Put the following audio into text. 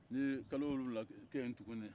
n ye kalo wolowula kɛ yen tugun